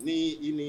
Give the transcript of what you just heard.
Ne ye nin ye